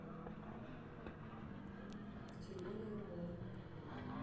теория о